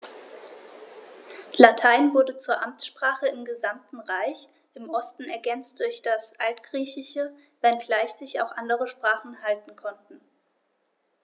Latein wurde zur Amtssprache im gesamten Reich (im Osten ergänzt durch das Altgriechische), wenngleich sich auch andere Sprachen halten konnten.